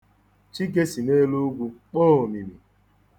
Chika si n'elu ugwu kpọọ omimi.